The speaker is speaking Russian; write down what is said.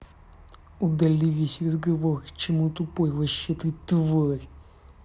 удали весь разговор к чему тупой вообще ты тварь